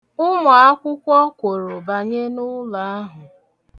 Ụmụakwụkwọ kworo banye n'ụlọ ahụ.